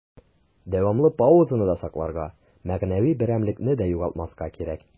Дәвамлы паузаны да сакларга, мәгънәви берәмлекне дә югалтмаска кирәк.